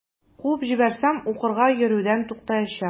Куып җибәрсәм, укырга йөрүдән туктаячак.